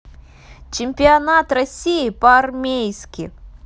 чемпионат россии по армейски